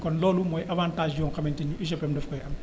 kon loolu mooy avantage yoo nga xamante ni UGPM daf koy am